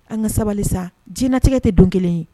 An ka sabali sa jinɛtigɛ tɛ don kelen ye